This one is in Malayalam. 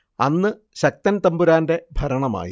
അന്ന് ശക്തൻ തമ്പുരാന്റെ ഭരണമായി